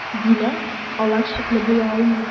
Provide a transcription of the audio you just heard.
Димәк, алар шикле була алмый.